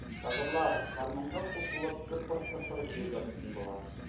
Татарлар, гармунга кушылып, тыпыр-тыпыр биергә тотындылар